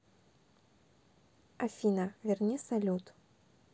афина верни салют